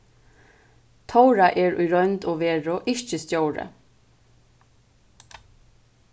tóra er í roynd og veru ikki stjóri